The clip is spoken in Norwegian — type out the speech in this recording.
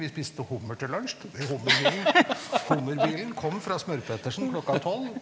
vi spiste hummer til lunsj, hummerbilen hummerbilen kom fra Smør-Petersen klokka tolv.